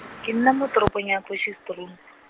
ke nna mo toropong ya Potchefstroom.